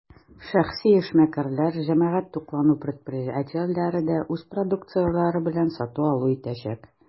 Шәхси эшмәкәрләр, җәмәгать туклануы предприятиеләре дә үз продукцияләре белән сату-алу итәчәк.